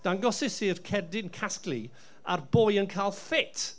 Dangosais i'r cerdyn casglu a'r boi yn cael ffit.